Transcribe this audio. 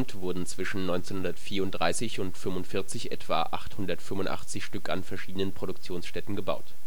wurden zwischen 1934 und 1945 etwa 885 Stück an verschiedenen Produktionsstätten gebaut